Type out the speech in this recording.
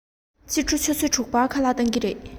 ཕྱི དྲོ ཆུ ཚོད དྲུག པར ཁ ལག གཏོང གི རེད